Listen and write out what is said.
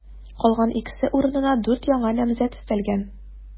Калган икесе урынына дүрт яңа намзәт өстәлгән.